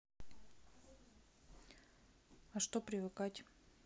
а что привыкать